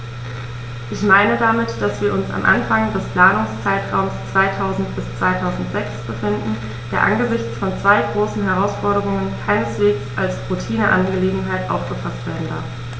Ich meine damit, dass wir uns am Anfang des Planungszeitraums 2000-2006 befinden, der angesichts von zwei großen Herausforderungen keineswegs als Routineangelegenheit aufgefaßt werden darf.